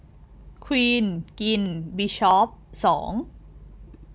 ควีนกินบิชอปสอง